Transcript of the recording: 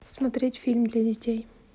смотреть фильм для детей